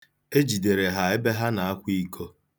E jidere ha ebe ha na-akwa iko.